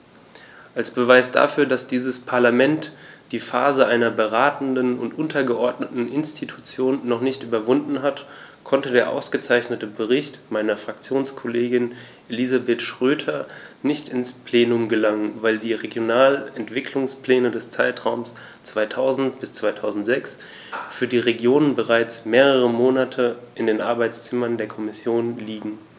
Als Beweis dafür, dass dieses Parlament die Phase einer beratenden und untergeordneten Institution noch nicht überwunden hat, konnte der ausgezeichnete Bericht meiner Fraktionskollegin Elisabeth Schroedter nicht ins Plenum gelangen, weil die Regionalentwicklungspläne des Zeitraums 2000-2006 für die Regionen bereits mehrere Monate in den Arbeitszimmern der Kommission liegen.